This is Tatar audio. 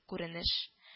Күренеш